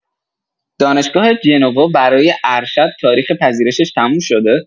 دانشگاه جنوا برای ارشد تاریخ پذیرشش تموم شده؟